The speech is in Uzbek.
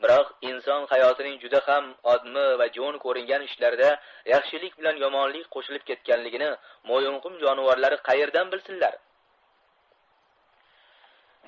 biroq inson hayotining juda ham odmi va jo'n ko'ringan ishlarida yaxshilik bilan yomonlik qo'shilib ketganligini mo'yinqum jonivorlari qaerdan bilsinlar